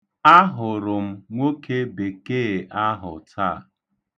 Ahụrụ m nwoke Bekee ahụ taa.